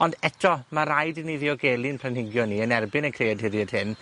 Ond eto, ma' raid i ni ddiogelu 'yn planhigion ni yn erbyn y creaduried hyn.